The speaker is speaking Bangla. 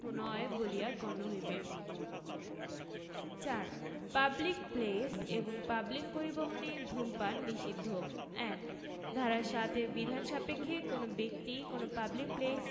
নয় বলিয়া গণ্য হইবে ৪ পাবলিক প্লেস এবং পাবলিক পরিবহণে ধূমপান নিষিদ্ধঃ ১ ধারা ৭ এর বিধান সাপেক্ষে কোন ব্যক্তি কোন পাবলিক প্লেস